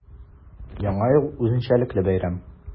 Яңа ел – үзенчәлекле бәйрәм.